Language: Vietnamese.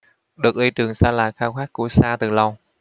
được đi trường sa là khao khát của sa từ lâu